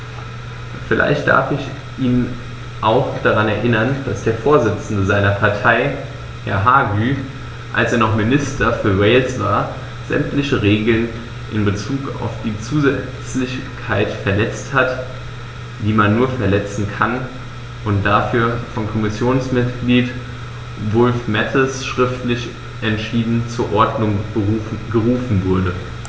Vielleicht darf ich ihn auch daran erinnern, dass der Vorsitzende seiner Partei, Herr Hague, als er noch Minister für Wales war, sämtliche Regeln in Bezug auf die Zusätzlichkeit verletzt hat, die man nur verletzen kann, und dafür von Kommissionsmitglied Wulf-Mathies schriftlich entschieden zur Ordnung gerufen wurde.